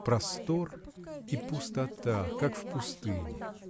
Простор и пустота — как в пустыне.